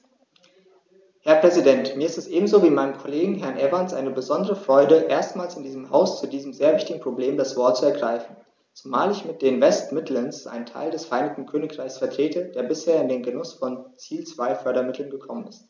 Herr Präsident, mir ist es ebenso wie meinem Kollegen Herrn Evans eine besondere Freude, erstmals in diesem Haus zu diesem sehr wichtigen Problem das Wort zu ergreifen, zumal ich mit den West Midlands einen Teil des Vereinigten Königreichs vertrete, der bisher in den Genuß von Ziel-2-Fördermitteln gekommen ist.